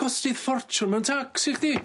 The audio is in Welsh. Gostith ffortiwn mewn tacs i chdi.